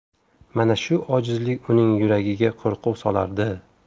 mana shu ojizlik uning yuragiga qo'rquv solardi